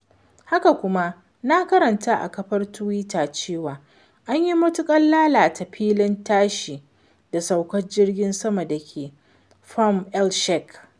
Haka kuma na karanta a kafar tiwita cewa, an yi mutuƙar lalata filin tashi da saukar jirgin sama dake Sharm El-Shiekh!